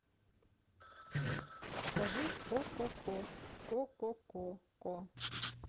скажи ко ко ко ко ко ко ко